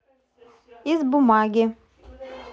из бумаги